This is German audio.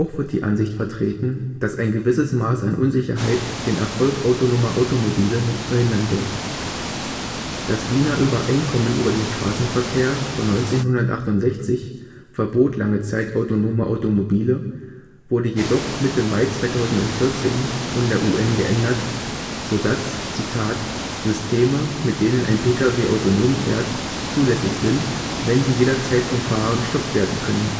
wird die Ansicht vertreten, dass ein gewisses Maß an Unsicherheit den Erfolg autonomer Automobile nicht verhindern wird. Das „ Wiener Übereinkommen über den Straßenverkehr “von 1968 verbot lange Zeit autonome Automobile, wurde jedoch Mitte Mai 2014 von der UN geändert, so dass „ Systeme, mit denen ein Pkw autonom fährt, zulässig [sind], wenn sie jederzeit vom Fahrer gestoppt werden können